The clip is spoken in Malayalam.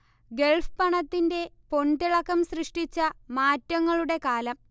ഗൾഫ് പണത്തിന്റെ പൊൻതിളക്കം സൃഷ്ടിച്ച മാറ്റങ്ങളുടെ കാലം